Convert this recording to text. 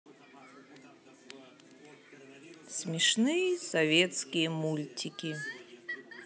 смешные советские мультики